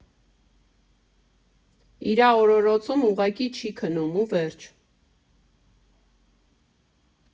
Իրա օրորոցում ուղղակի չի քնում, ու վերջ։